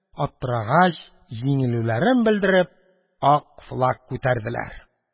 Аптырагач, җиңелүләрен белдереп, ак флаг күтәрделәр.